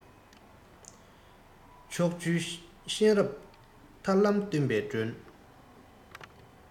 ཕྱོགས བཅུའི གཤེན རབ ཐར ལམ སྟོན པའི སྒྲོན